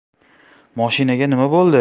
moshinaga nima bo'ldi